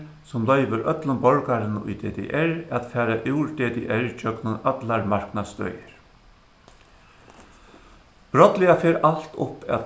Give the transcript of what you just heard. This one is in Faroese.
sum loyvir øllum borgarum í ddr at fara úr ddr gjøgnum allar marknastøðir brádliga fer alt upp at